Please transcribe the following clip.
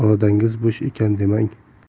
irodangiz bo'sh ekan demang